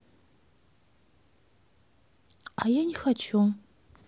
а я не хочу